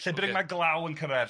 Lle bynnag ma' glaw yn cyrradd?